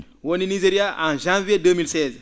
woni Nigéria en janvier 2016